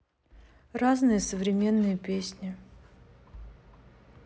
разные современные песни